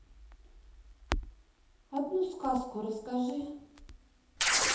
одну сказку расскажи